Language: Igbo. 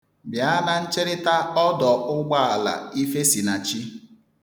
Bịa na ncherịta ọdọ ụgbọala Ifesinachi.